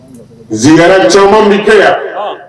caaman min kɛ yan